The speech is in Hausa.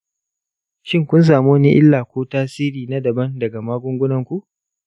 shin kun sami wani illa ko tasiri na daban daga magungunanku?